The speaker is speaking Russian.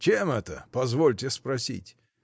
— Чем это — позвольте спросить?